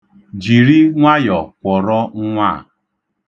Jiri nwayọ kwọrọ nnwa a.